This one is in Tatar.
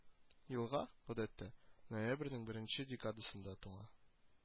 Елга, гадәттә, ноябрьнең беренче декадасында туңа